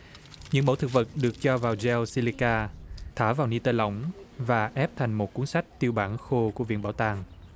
những mẫu thực vật được cho vào deo si li ca thả vào ni tơ lỏng và ép thành một cuốn sách tiêu bản khô của viện bảo tàng